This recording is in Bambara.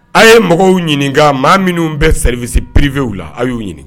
A' ye mɔgɔw ɲininkaka maa minnu bɛ selili7si biererivw la aw y'u ɲini